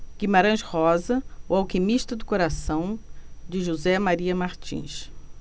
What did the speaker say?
guimarães rosa o alquimista do coração de josé maria martins